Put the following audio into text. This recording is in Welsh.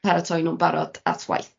paratoi nw'n barod at waith.